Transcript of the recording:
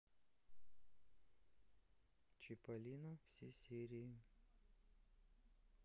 чиполлино все серии